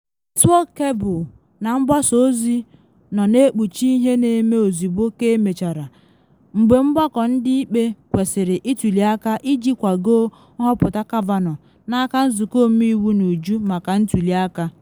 Netwọk kebụl na mgbasa ozi nọ na ekpuchi ihe na eme ozugbo ka emechara, mgbe Mgbakọ Ndị Ikpe kwesịrị ituli aka iji kwagoo nhọpụta Kavanaugh n’aka Nzụkọ Ọmeiwu n’uju maka ntuli aka.